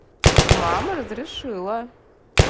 мама разрешила